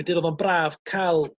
wedyn oddo'n braf ca'l